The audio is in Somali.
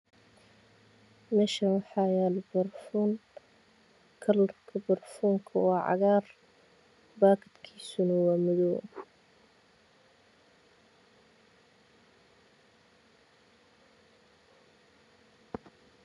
Meshan waxa yaalo barafoon kala barafonka waa cagar bakadkisa waa madow